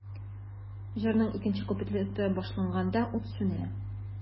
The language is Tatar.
Җырның икенче куплеты башланганда, ут сүнә.